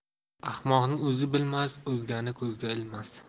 ahmoqning o'zi bilmas o'zgani ko'zga ilmas